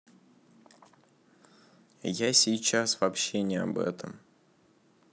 я сейчас вообще не об этом